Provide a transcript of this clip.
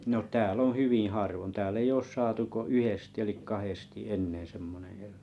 no täällä on hyvin harvoin täällä ei ole saatu kuin yhdesti eli kahdesti semmoinen eläin